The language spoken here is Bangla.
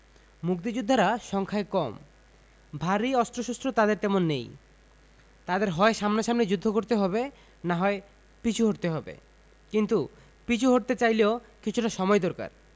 মুক্তিযোদ্ধারা সংখ্যায় কম ভারী অস্ত্রশস্ত্র তাঁদের তেমন নেই তাঁদের হয় সামনাসামনি যুদ্ধ করতে হবে না হয় পিছু হটতে হবে কিন্তু পিছু হটতে চাইলেও কিছুটা সময় দরকার